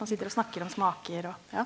man sitter og snakker om smaker og, ja.